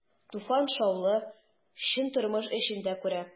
Туфан шаулы, чын тормыш эчендә күрә.